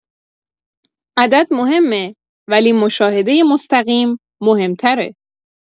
عدد مهمه، ولی مشاهده مستقیم مهم‌تره.